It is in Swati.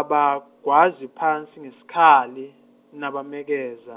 abagwazi phansi ngesikhali, nabamekeza.